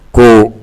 Ko